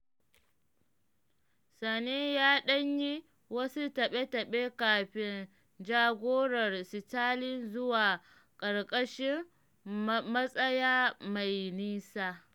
Sane ya ɗan yi wasu taɓe-taɓe kafin jagorar Sterling zuwa ƙarshen matsaya mai nisa.